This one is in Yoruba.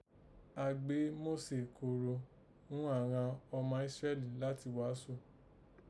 A gbé Mósè kóòró ghún àghan ọma Ísírẹ́lì láti ghàásù